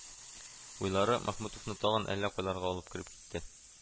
Уйлары Мәхмүтовны тагын әллә кайларга алып кереп китте